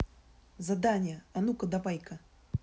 задание а ну ка давай ка